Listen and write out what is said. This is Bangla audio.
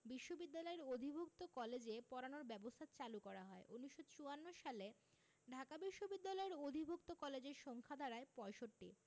বিশ্ববিদ্যালয়ের অধিভুক্ত কলেজে পড়ানোর ব্যবস্থা চালু করা হয় ১৯৫৪ সালে ঢাকা বিশ্ববিদ্যালয়ের অধিভুক্ত কলেজের সংখ্যা দাঁড়ায় ৬৫